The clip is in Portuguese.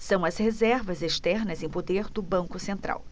são as reservas externas em poder do banco central